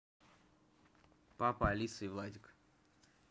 папа алиса и владик